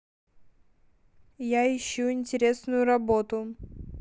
я ищу интересную работу